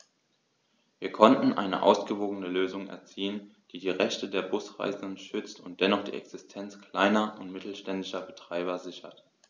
Wir konnten eine ausgewogene Lösung erzielen, die die Rechte der Busreisenden schützt und dennoch die Existenz kleiner und mittelständischer Betreiber sichert.